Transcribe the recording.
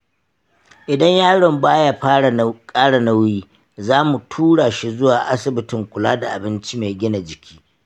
idan yaron ba ya fara ƙara nauyi, za mu tura shi zuwa asibitin kula da abinci mai gina jiki.